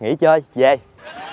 nghỉ chơi về